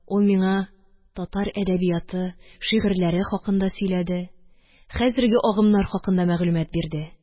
Ул миңа татар әдәбияты, шигырьләре хакында сөйләде, хәзерге агымнар хакында мәгълүмат бирде.